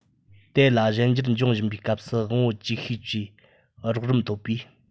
དེ ལ གཞན འགྱུར འབྱུང བཞིན པའི སྐབས སུ དབང པོ ཅིག ཤོས ཀྱི རོགས རམ ཐོབ པས